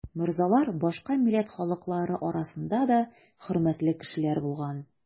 Морзалар башка милләт халыклары арасында да хөрмәтле кешеләр булган.